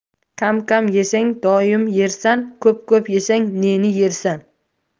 kam kam yesang doim yersan ko'p ko'p yesang neni yersan